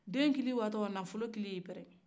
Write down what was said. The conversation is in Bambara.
den kili watɔ nafolo kili y'i pɛrɛn